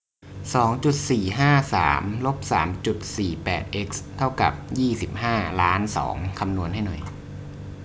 สองจุดสี่ห้าสามลบสามจุดสี่แปดเอ็กซ์เท่ากับยี่สิบห้าล้านสองคำนวณให้หน่อย